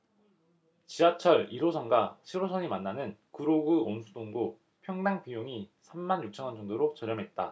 지하철 일 호선과 칠 호선이 만나는 구로구 온수동도 평당 비용이 삼 만 육천 원 정도로 저렴했다